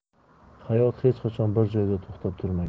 hayot hech qachon bir joyda to'xtab turmaydi